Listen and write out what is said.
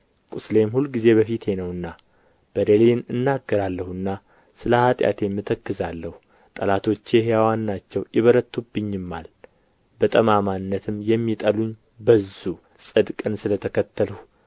ቍስሌም ሁልጊዜም በፊቴ ነውና በደሌን እናገራለሁና ስለ ኃጢአቴም እተክዛለሁ ጠላቶቼ ሕያዋን ናቸው ይበረቱብኝማል በጠማማነትም የሚጠሉኝ በዙ ጽድቅን ስለ ተከተልሁ